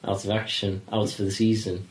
Out of action, out for the season.